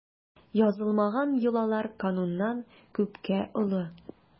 Язылмаган йолалар кануннан күпкә олы.